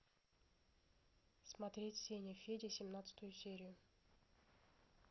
смотреть сеня федя семнадцатую серию